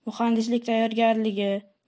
muhandislik tayyorgarligi